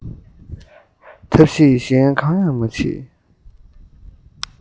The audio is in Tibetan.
ཐབས ཤེས གཞན གང ཡང མ མཆིས